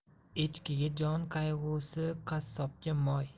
echkiga jon qayg'usi qassobga moy